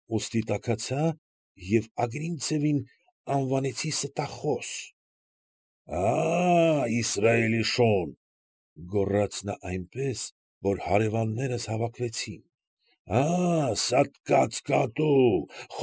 Ուստի տաքացա և Ագրինցևին անվանեցի ստախոս։ ֊Աա՜, Իսրայելի շուն,֊ գոռաց նա այնպես, որ հարևաններս հավաքվեցին,֊ աա՜, սատկած կատու,